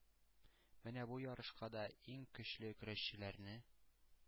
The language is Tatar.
Менә бу ярышка да, иң көчле көрәшчеләрне